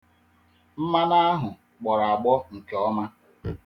Mmanụ ahụ gbọrọ (agbọ) nke oma.